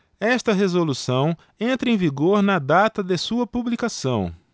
esta resolução entra em vigor na data de sua publicação